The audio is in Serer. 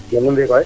nam nu mbiyu koy